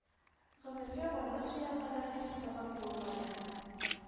Гомергә байлык җыярга да хирыслыгым булмады